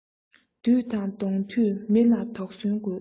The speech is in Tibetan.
བདུད དང བསྡོངས དུས མི ལ དོགས ཟོན དགོས